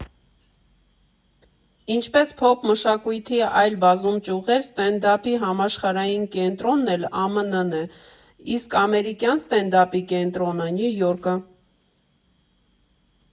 Ինչպես փոփ մշակույթի այլ բազում ճյուղեր, ստենդափի համաշխարհային կենտրոնն էլ ԱՄՆ֊ն է, իսկ ամերիկյան ստենդափի կենտրոնը՝ Նյու Յորքը։